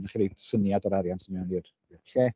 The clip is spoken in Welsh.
Dyna i chi roi syniad o'r arian sy mewn i'r lle